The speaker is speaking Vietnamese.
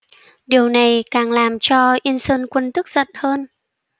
điều này càng làm cho yên sơn quân tức giận hơn